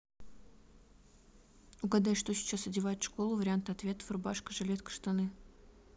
угадай что сейчас одевают в школу варианты ответов рубашка жилетка штаны